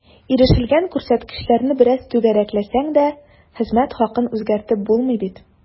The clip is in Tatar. Ирешелгән күрсәткечләрне бераз “түгәрәкләсәң” дә, хезмәт хакын үзгәртеп булмый бит.